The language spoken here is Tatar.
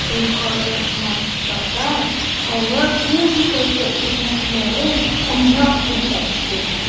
Ул кырымтатар халык музыкасы үрнәкләрен уйнап күрсәтте.